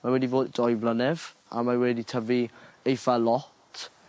Mae wedi fod doi flynedd a mae wedi tyfu eith lot.